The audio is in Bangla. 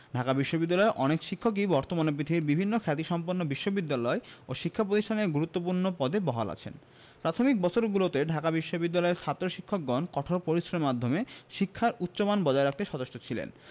ঢাকা বিশ্ববিদ্যালয়ের অনেক শিক্ষকই বর্তমানে পৃথিবীর বিভিন্ন খ্যাতিসম্পন্ন বিশ্ববিদ্যালয় ও শিক্ষা প্রতিষ্ঠানে গুরুত্বপূর্ণ পদে বহাল আছেন প্রাথমিক বছরগুলিতে ঢাকা বিশ্ববিদ্যালয়ের ছাত্র শিক্ষকগণ কঠোর পরিশ্রমের মাধ্যমে শিক্ষার উচ্চমান বজায় রাখতে সচেষ্ট ছিলেন